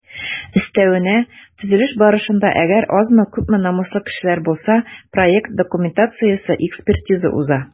Өстәвенә, төзелеш барышында - әгәр азмы-күпме намуслы кешеләр булса - проект документациясе экспертиза уза.